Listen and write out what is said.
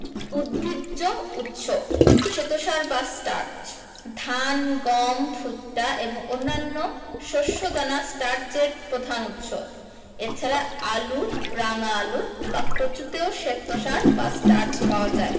উদ্ভিজ্জ উৎস শ্বেতসার বা স্টার্চ ধান গম ভুট্টা এবং অন্যান্য শস্য দানা স্টার্চের প্রধান উৎস এছাড়া আলু রাঙা আলু বা কচুতেও শ্বেতসার বা স্টার্চ পাওয়া যায়